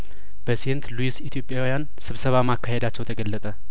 በሴንትሉዊስ ኢትዮጵያዊያን ስብሰባ ማካሄዳቸው ተገለጠ